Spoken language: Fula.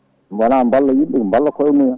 wona ne mballa yimɓe ne mballa kooye mumen